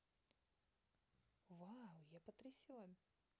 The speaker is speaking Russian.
вау я потрясен